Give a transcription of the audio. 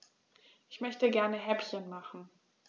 Ich möchte gerne Häppchen machen.